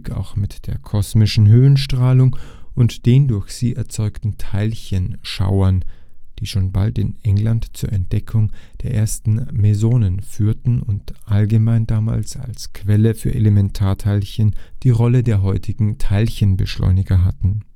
auch mit der kosmischen Höhenstrahlung und den durch sie erzeugten Teilchenschauern, die schon bald in England zur Entdeckung der ersten Mesonen führten und allgemein damals als Quelle für Elementarteilchen die Rolle der heutigen Teilchenbeschleuniger hatten